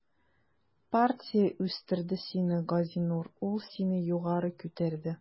Партия үстерде сине, Газинур, ул сине югары күтәрде.